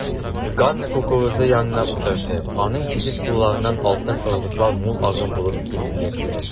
Ганна кукуруза янына утырды, аның җитез кулларыннан алтын орлыклар мул агым булып киндергә коелды.